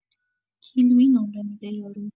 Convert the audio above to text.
کیلویی نمره می‌ده یارو